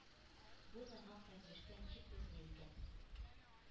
Бу нахак рәнҗешкә ничек түзде икән?